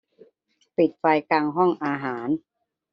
ปิดไฟกลางห้องอาหาร